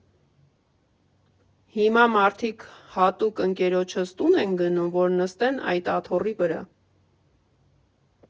Հիմա մարդիկ հատուկ ընկերոջս տուն են գնում, որ նստեն այդ աթոռի վրա։